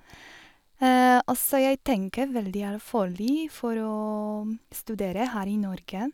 Og så jeg tenker veldig alvorlig for å studere her i Norge.